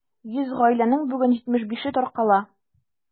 100 гаиләнең бүген 75-е таркала.